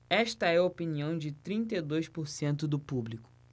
esta é a opinião de trinta e dois por cento do público